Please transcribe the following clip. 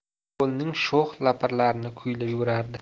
ovulning sho'x laparlarini kuylab yuborardi